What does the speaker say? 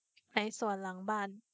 ไปสวนหลังบ้าน